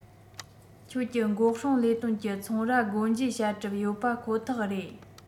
ཁྱོད ཀྱི འགོག སྲུང ལས དོན གྱི ཚོང ར སྒོ འབྱེད བྱ གྲབས ཡོད པ ཁོ ཐག རེད